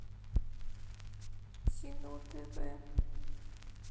кино тв